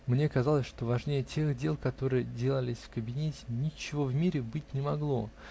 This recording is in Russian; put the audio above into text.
Мне казалось, что важнее тех дел, которые делались в кабинете, ничего в мире быть не могло